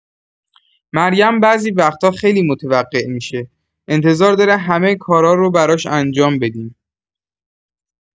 مریم بعضی وقتا خیلی متوقع می‌شه، انتظار داره همه کارا رو براش انجام بدیم.